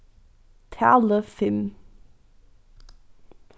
talið fimm